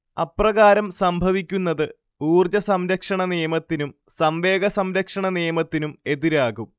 അപ്രകാരം സംഭവിക്കുന്നത് ഊർജ്ജസംരക്ഷണനിയമത്തിനും സംവേഗസംരക്ഷണനിയമത്തിനും എതിരാകും